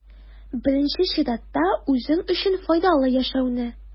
Беренче чиратта, үзең өчен файдалы яшәүне.